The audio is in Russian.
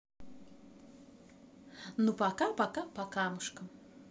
ну пока пока покамушкам